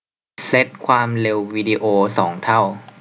เซ็ตความเร็ววีดีโอสองเท่า